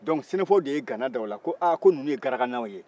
dɔnku sɛnɛfow de ye gana da u la aa ko ninnu ye garakannaw ye